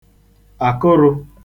àkụrụ̄